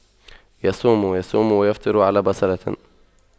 يصوم يصوم ويفطر على بصلة